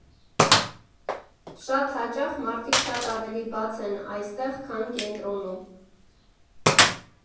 Շատ հաճախ մարդիկ շատ ավելի բաց են այստեղ, քան կենտրոնում։